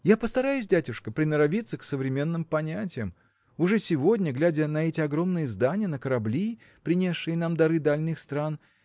– Я постараюсь, дядюшка, приноровиться к современным понятиям. Уже сегодня глядя на эти огромные здания на корабли принесшие нам дары дальних стран